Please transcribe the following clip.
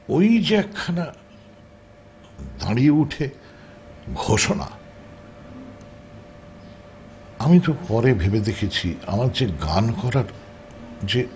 ওই যে একখানা দাঁড়িয়ে উঠে ঘোষণা আমি তো পরে ভেবে দেখেছি আমার যে গান করার যে